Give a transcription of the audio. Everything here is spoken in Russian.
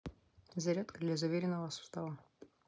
зарядка для заверенного сустава